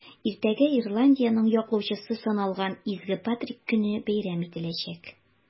Иртәгә Ирландиянең яклаучысы саналган Изге Патрик көне бәйрәм ителәчәк.